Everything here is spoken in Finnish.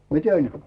miten